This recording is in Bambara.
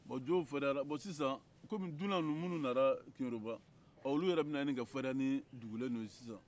ɔ jo farinyara bɔn sisan kɔmi dunan nin minnu nana keyoroba ɔ olu yɛrɛ bɛna ɲini ka farinya ni dugulen ninnu ye sisan